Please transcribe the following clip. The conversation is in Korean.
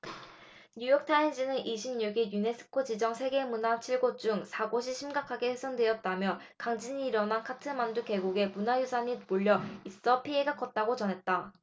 뉴욕타임스는 이십 육 일 유네스코 지정 세계문화유산 칠 곳 중 사 곳이 심각하게 훼손됐다며 강진이 일어난 카트만두 계곡에 문화유산이 몰려 있어 피해가 컸다고 전했다